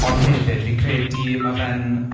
Ond hefyd fi'n credu ma' fe'n...